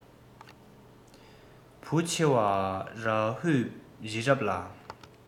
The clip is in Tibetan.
བུ ཆེ བ རཱ ཧུས རི རབ ལ